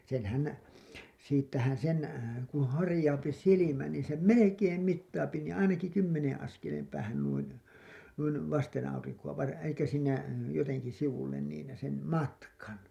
senhän siitähän sen kun harjaantuu silmä niin sen melkein mittaa niin ainakin kymmenen askeleen päähän noin noin vasten aurinkoa - eli siinä jotenkin sivulle niin sen matkan